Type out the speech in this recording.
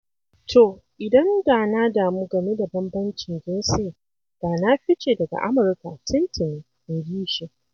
To, idan da na damu game da bambancin jinsi da na fice daga Amurka tun tuni," inji shi.